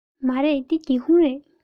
མ རེད འདི སྒེའུ ཁུང རེད